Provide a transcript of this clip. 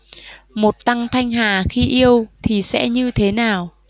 một tăng thanh hà khi yêu thì sẽ như thế nào